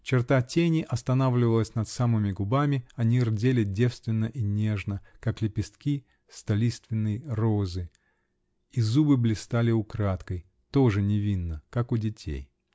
Черта тени останавливалась над самыми губами: они рдели девственно и нежно, -- как лепестки столиственной розы, и зубы блистали украдкой -- тоже невинно, как у детей.